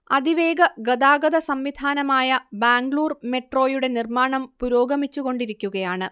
അതിവേഗ ഗതാഗത സംവിധാനമായ ബാംഗ്ലൂർ മെട്രോയുടെ നിർമ്മാണം പുരോഗമിച്ചു കൊണ്ടിരിക്കുകയാണ്